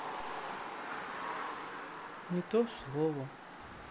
не то слово